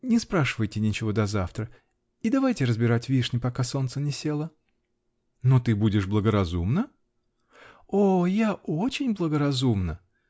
Не спрашивайте ничего до завтра -- и давайте разбирать вишни, пока солнце не село. -- Но ты будешь благоразумна? -- О, я очень благоразумна!